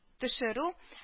Төшерү э